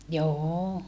joo